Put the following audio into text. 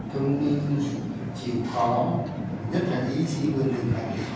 thông minh chịu khó nhất định ý chí vươn lên mãnh liệt